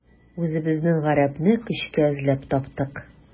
Үзебезнең гарәпне көчкә эзләп таптык.